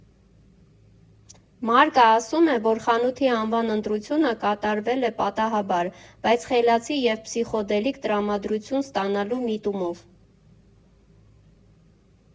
Մարկը ասում է, որ խանութի անվան ընտրությունը կատարվել է պատահաբար, բայց խելացի և փսիխոդելիկ տրամադրություն ստանալու միտումով։